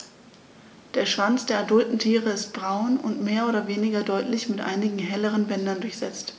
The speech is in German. Der Schwanz der adulten Tiere ist braun und mehr oder weniger deutlich mit einigen helleren Bändern durchsetzt.